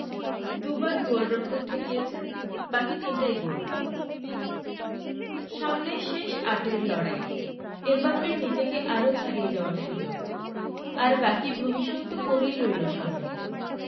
দুবার গোলরক্ষক ঠেকিয়েছেন বাকি তিনটাই গোল সামনে শেষ আটের লড়াই এমবাপ্পের নিজেকে আরও ছাড়িয়ে যাওয়ার সুযোগ আর বাকি ভবিষ্যৎ তো পড়েই রইল সামনে